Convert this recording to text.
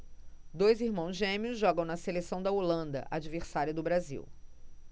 dois irmãos gêmeos jogam na seleção da holanda adversária do brasil